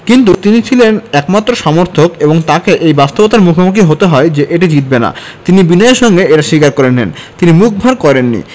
কিন্তু তিনি ছিলেন একমাত্র সমর্থক এবং তাঁকে এই বাস্তবতার মুখোমুখি হতে হয় যে এটি জিতবে না তিনি বিনয়ের সঙ্গে এটা স্বীকার করে নেন তিনি মুখ ভার করেননি